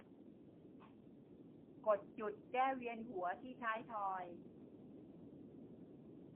กดจุดแก้เวียนหัวที่ท้ายทอย